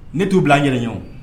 Ne t'u bila anɛlɛn ɲɔgɔn